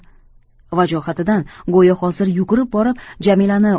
vajohatidan go'yo hozir yugurib borib jamilani